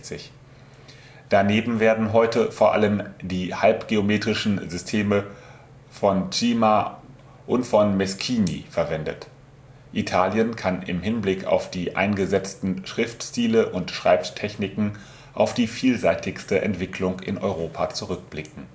Daneben werden heute vor allem die halbgeometrischen Systeme von Cima und von Meschini verwendet. Italien kann im Hinblick auf die eingesetzten Schriftstile und Schreibtechniken auf die vielseitigste Entwicklung in Europa zurückblicken